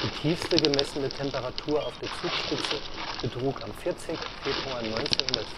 tiefste gemessene Temperatur auf der Zugspitze betrug am 14. Februar 1940 −35,6